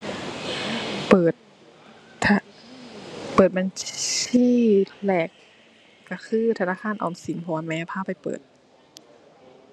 เปิดทะ เปิดบัญชีแรกก็คือธนาคารออมสิน เพราะว่าแม่พาไปเปิด